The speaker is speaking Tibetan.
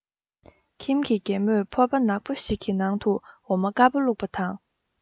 ཁྱིམ གྱི རྒན མོས ཕོར པ ནག པོ ཞིག གི ནང དུ འོ མ དཀར པོ བླུགས པ དང